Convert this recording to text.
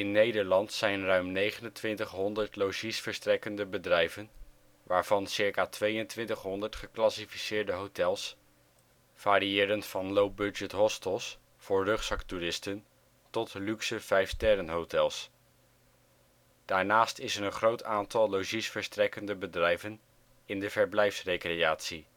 Nederland zijn ruim 2900 logiesverstrekkende bedrijven, waarvan circa 2200 geclassificeerde hotels, variërend van lowbudget hostels voor rugzaktoeristen tot luxe 5-sterren hotels. Daarnaast is er een groot aantal logiesverstrekkende bedrijven in de verblijfsrecreatie